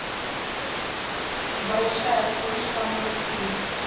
большая стрижка мультфильм